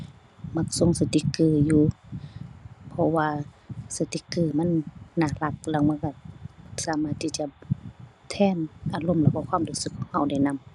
มักส่งสติกเกอร์อยู่เพราะว่าสติกเกอร์มันน่ารัก แล้วมันก็สามารถที่จะแทนอารมณ์หรือว่าความรู้สึกของก็ได้นำ